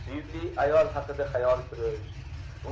suyukli ayol haqida hayol surish